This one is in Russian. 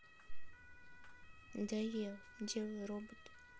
надоело делают роботы